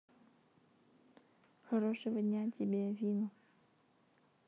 хорошего дня тебе афина